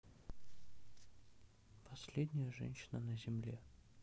последняя женщина на земле